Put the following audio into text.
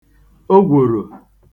ogwòrò